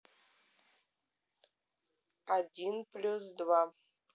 один плюс два